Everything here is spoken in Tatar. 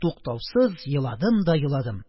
Туктаусыз еладым да еладым;